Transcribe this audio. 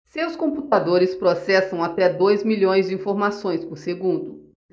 seus computadores processam até dois milhões de informações por segundo